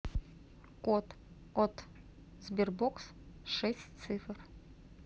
код от sberbox шесть цифр